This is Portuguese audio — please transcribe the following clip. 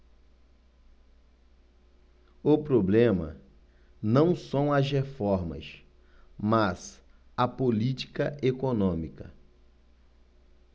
o problema não são as reformas mas a política econômica